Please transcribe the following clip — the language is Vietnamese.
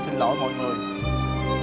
xin lỗi mọi người